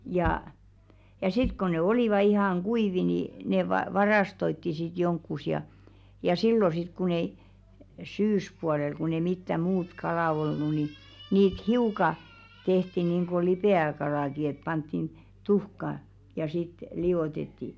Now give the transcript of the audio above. ja ja sitten kun ne olivat ihan kuivia niin ne - varastoitiin sitten jonnekin ja ja silloin sitten kun ei syyspuolella kun ei mitään muuta kalaa ollut niin niitä hiukan tehtiin niin kuin lipeäkalaakin että pantiin tuhkaa ja sitten liotettiin